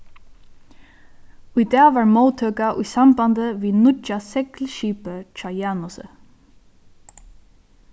í dag var móttøka í sambandi við nýggja seglskipið hjá janusi